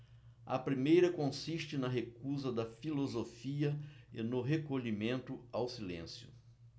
a primeira consiste na recusa da filosofia e no recolhimento ao silêncio